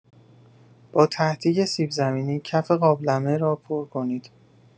با ته‌دیگ سیب‌زمینی کف قابلمه را پر کنید.